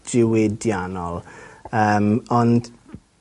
diwydiannol. Yym ond